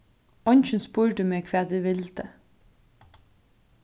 eingin spurdi meg hvat eg vildi